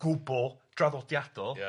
gwbl draddodiadol... Ia.